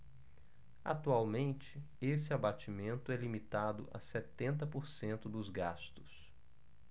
atualmente esse abatimento é limitado a setenta por cento dos gastos